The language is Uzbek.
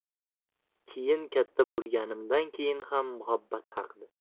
keyin katta bo'lganimdan keyin ham muhabbat haqida